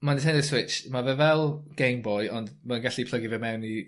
mae Nintendo Switch, ma' fe fel Gameboy ond ma'n gallu plygio fe mewn i